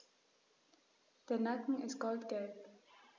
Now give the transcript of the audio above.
Der Nacken ist goldgelb.